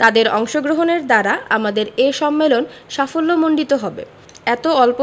তাদের অংশগ্রহণের দ্বারা আমাদের এ সম্মেলন সাফল্যমণ্ডিত হবে এত অল্প